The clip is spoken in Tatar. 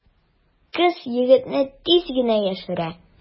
Кыз егетне тиз генә яшерә.